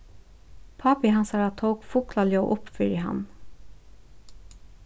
pápi hansara tók fuglaljóð upp fyri hann